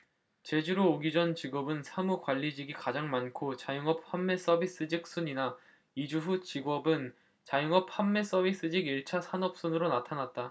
제주로 오기 전 직업은 사무 관리직이 가장 많고 자영업 판매 서비스직 순이나 이주 후 직업은 자영업 판매 서비스직 일 차 산업 순으로 나타났다